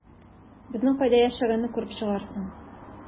Безнең кайда яшәгәнне күреп чыгарсың...